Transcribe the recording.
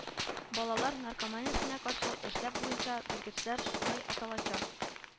Балалар наркоманиясенә каршы эшләү буенча белгечләр шулай аталачак